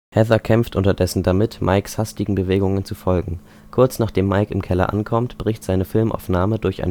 Heather kämpft unterdessen damit, Mikes hastigen Bewegungen zu folgen. Kurz nachdem Mike im Keller ankommt, bricht seine Filmaufnahme durch